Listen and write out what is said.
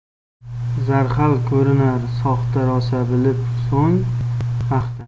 zarhal ko'rinar soxta rosa bilib so'ng maqta